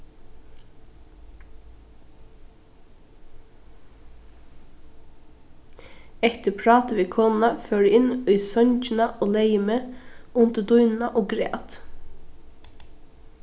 eftir prátið við konuna fór eg inn í songina og legði meg undir dýnuna og græt